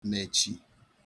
mèchì